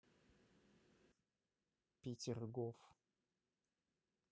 петергоф